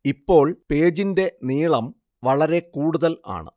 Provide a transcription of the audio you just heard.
ഇപ്പോൾ പേജിന്റെ നീളം വളരെ കൂടുതൽ ആണ്